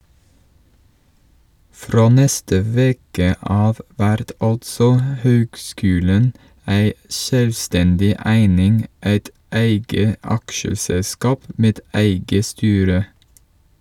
Frå neste veke av vert altså høgskulen ei sjølvstendig eining, eit eige aksjeselskap med eige styre.